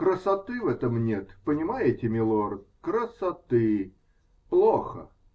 Красоты в этом нет, понимаете, милорд, красоты. Плохо.